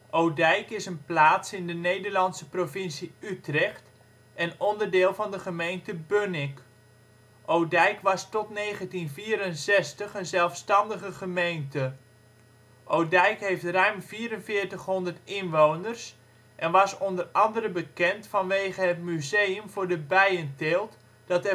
Odijk is een plaats in de Nederlandse provincie Utrecht en onderdeel van de gemeente Bunnik. Odijk was tot 1964 een zelfstandige gemeente. Odijk heeft ruim 4.400 inwoners en was onder andere bekend vanwege het museum voor de bijenteelt dat